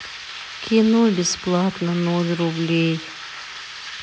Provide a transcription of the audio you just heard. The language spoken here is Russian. кино бесплатно ноль рублей